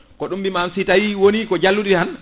ko ɗum mbimami si tawi woni ko jalluɗi tan